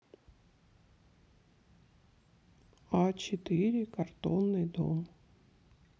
а четыре картонный дом